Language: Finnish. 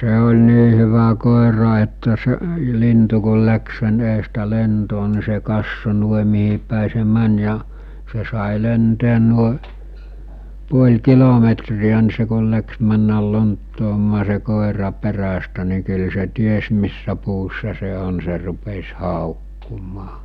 se oli niin hyvä koira että - lintu kun lähti sen edestä lentoon niin se katsoi noin mihinpäin se meni ja se sai lentää noin puoli kilometriä niin se kun lähti mennä lonttoamaan se koira perästä niin kyllä se tiesi missä puussa se on se rupesi haukkumaan